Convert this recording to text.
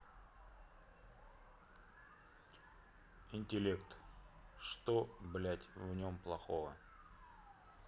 интеллект что блядь в нем плохого